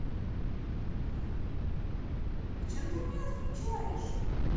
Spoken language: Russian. зачем ты меня отключаешь